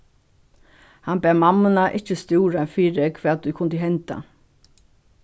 hann bað mammuna ikki stúra fyri hvat ið kundi henda